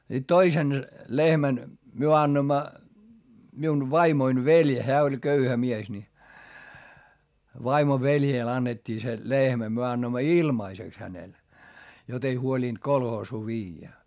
sitten toisen lehmän me annoimme minun vaimoni veli hän oli köyhä mies niin vaimon veljelle annettiin se lehmä me annoimme ilmaiseksi hänelle jotta ei huolinut kolhoosiin viedä